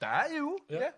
Da yw ia.